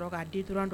Den dɔrɔn dɔrɔn